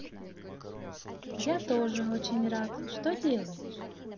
я тоже очень рад что делаешь